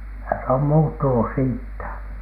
kyllä se on muuttunut siitä